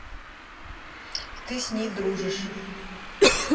ты с ней дружишь